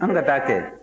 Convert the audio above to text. an ka taa kɛ